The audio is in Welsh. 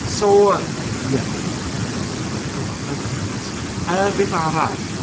So, ie. My God that felt great. Yym, beth arall?